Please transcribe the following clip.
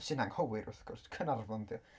Sy'n anghywir wrth gwrs, Caernarfon dio.